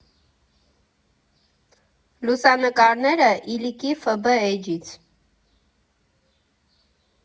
Լուսանկարները՝ Իլիկի ֆբ֊էջից։